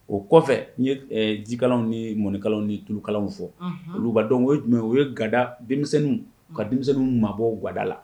O kɔfɛ n ye jika ni mɔnika ni tuka fɔ oluba dɔn o ye jumɛn u ye gada denmisɛnninw ka denmisɛnninw maabɔ gada la